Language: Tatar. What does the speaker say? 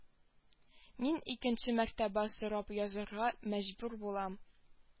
Мин икенче мәртәбә сорап язарга мәҗбүр булам